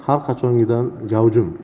har qachongidan gavjum